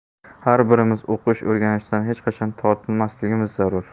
har birimiz o'qish o'rganishdan hech qachon tortinmasligimiz zarur